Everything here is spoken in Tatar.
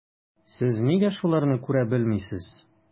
Сез нигә шуларны күрә белмисез?